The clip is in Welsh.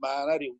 ma' 'na ryw